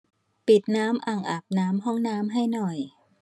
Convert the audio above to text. ปิดน้ำอ่างอาบน้ำห้องน้ำให้หน่อย